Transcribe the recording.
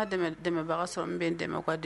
N tɛmɛ'a sɔrɔ n bɛ n tɛmɛ